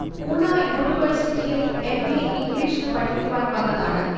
പൂനാ യൂണിവേഴ്സിറ്റിയിൽ M. A ഇംഗ്ലീഷിനു പഠിക്കുവാൻ വന്നതാണ്